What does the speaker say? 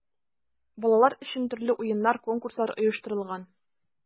Балалар өчен төрле уеннар, конкурслар оештырылган.